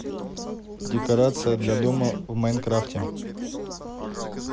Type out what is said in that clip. декорации для дома в майнкрафте